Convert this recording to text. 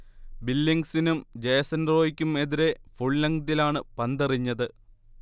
ബില്ലിങ്സിനും Jason റോയിക്കും എതിരെ ഫുൾലെങ്തിലാണു പന്തെറിഞ്ഞത്